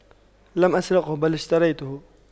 لم أسرقه بل اشتريته